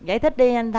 giải thích đi anh